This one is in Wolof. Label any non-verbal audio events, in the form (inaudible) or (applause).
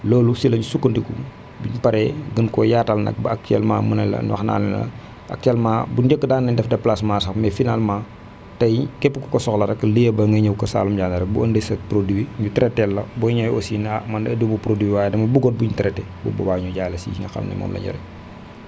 loolu si la ñu sukkandiku bi ñu paree gën koo yaatal nag ba actuellement ma ne leen wax naa le na actuellement bu njëkk daan nañu def déplacement sax mais finalement tey képp ku ko soxla rek lieu ba nga ñëw Kër Saalum Diané rek boo ëndee sa produit bi ñu traité teel la boo ñëwee aussi ne ah man de ëndiwuama produit waaye dama bëggoon bu ñu traité bu boobaa ñu jaay la si yi nga xam ne moom la ñu yore (noise)